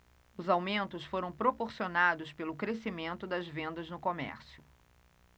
os aumentos foram proporcionados pelo crescimento das vendas no comércio